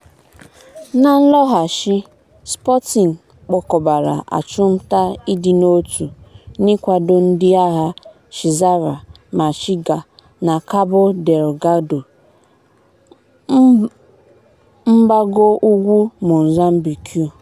Na nloghachi, Sporting kpokobara achụmnta ịdị n'otu n'ịkwado ndị agha chisara ma chiga na Cabo Delgado, mgbagougwu Mozambique.